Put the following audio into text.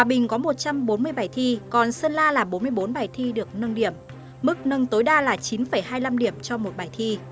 bình có một trăm bốn mươi bài thi còn sơn la là bốn mươi bốn bài thi được nâng điểm mức nâng tối đa là chín phẩy hai năm điểm cho một bài thi